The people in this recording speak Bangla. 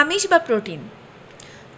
আমিষ বা প্রোটিন